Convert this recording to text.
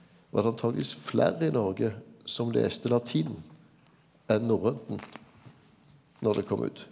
var det antakeleg fleire i Noreg som las latinen enn norrønten når det kom ut.